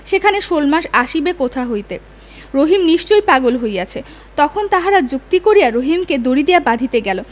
সেখানে শোলমাছ আসিবে কোথা হইতে রহিম নিশ্চয়ই পাগল হইয়াছে তখন তাহারা যুক্তি করিয়া রহিমকে দড়ি দিয়া বাধিতে গেল